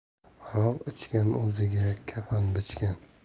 araq ichgan o'ziga kafan bichgan